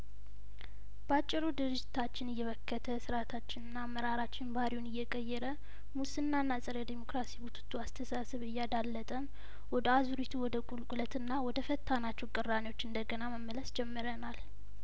ባጭሩ ድርጅታችን እየበከተ ስርአታችንና አመራራችን ባህርይውን እየቀየረ ሙስናና ጸረ ዴሞክራሲ ቡትቶ አስተሳሰብ እያዳለጠን ወደ አዙሪቱ ወደ ቁልቁለትና ወደ ፈታናቸው ቅራኔዎች እንደገና መመለስ ጀምረናል